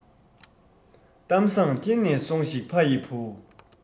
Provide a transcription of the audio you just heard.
གཏམ བཟང འཁྱེར ནས སོང ཞིག ཕ ཡི བུ